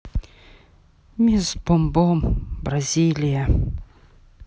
мисс бом бом бразилия